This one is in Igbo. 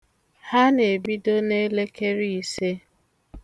Ha na-ebido n'elekere ise.